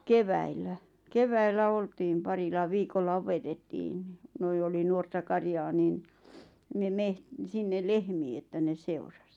keväällä keväällä oltiin parilla viikolla opetettiin niin noin oli nuorta karjaa niin ne - sinne lehmiä että ne seurasi